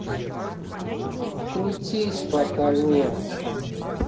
крутись пока не